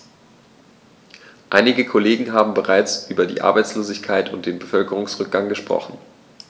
Einige Kollegen haben bereits über die Arbeitslosigkeit und den Bevölkerungsrückgang gesprochen.